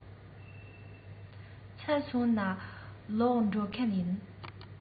ཚར སོང ད ལོག འགྲོ མཁན ཡིན